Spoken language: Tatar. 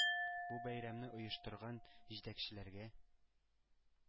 Бу бәйрәмне оештырган җитәкчеләргә,